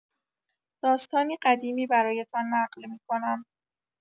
داستانی قدیمی برایتان نقل می‌کنم.